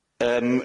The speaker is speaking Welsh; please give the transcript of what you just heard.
Yym.